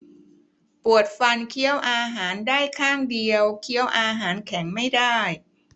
ปวดฟันเคี้ยวอาหารได้ข้างเดียวเคี้ยวอาหารแข็งไม่ได้